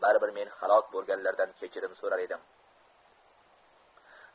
baribir men halok bo'lganlardan kechirim so'rar edim